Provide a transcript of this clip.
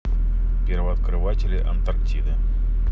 первооткрыватели антарктиды